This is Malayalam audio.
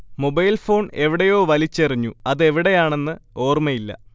മൊബൈൽ ഫോൺ എവിടെയോ വലിച്ചെറിഞ്ഞു അതെവിടെയാെണന്ന് ഓർമയില്ല